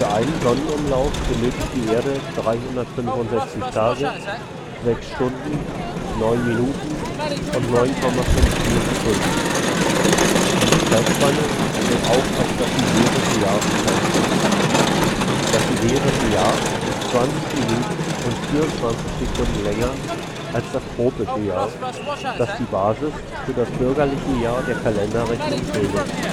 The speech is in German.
einen Sonnenumlauf benötigt die Erde 365 Tage, 6 Stunden, 9 Minuten und 9,54 Sekunden; diese Zeitspanne wird auch als siderisches Jahr bezeichnet. Das siderische Jahr ist 20 Minuten und 24 Sekunden länger als das tropische Jahr, das die Basis für das bürgerliche Jahr der Kalenderrechnung bildet